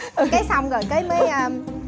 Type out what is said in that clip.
cái xong rồi cái mới ờm